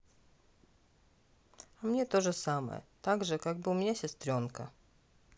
а мне тоже самое также как бы у меня сестренка